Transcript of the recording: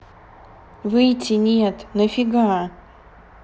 выйти нет нафига